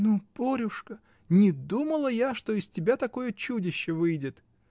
— Ну, Борюшка: не думала я, что из тебя такое чудище выйдет!